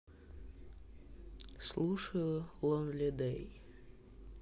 слушать лон ли дэй